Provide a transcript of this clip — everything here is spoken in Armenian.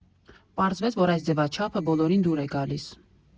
Պարզվեց, որ այս ձևաչափը բոլորին դուր է գալիս։